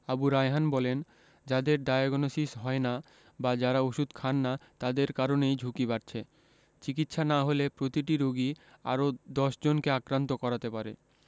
আবু রায়হান বলেন যাদের ডায়াগনসিস হয় না বা যারা ওষুধ খান না তাদের কারণেই ঝুঁকি বাড়ছে চিকিৎসা না হলে প্রতিটি রোগী আরও ১০ জনকে আক্রান্ত করাতে পারে